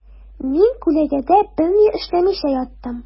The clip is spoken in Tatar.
Мин күләгәдә берни эшләмичә яттым.